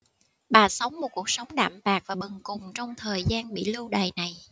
bà sống một cuộc sống đạm bạc và bần cùng trong thời gian bị lưu đày này